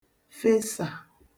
fesà